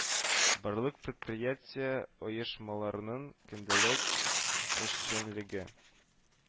Барлык предприятие, оешмаларның көндәлек эшчәнлеге